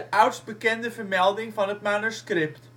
oudst bekende vermelding van het manuscript